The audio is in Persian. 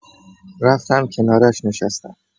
رفتم کنارش نشستم.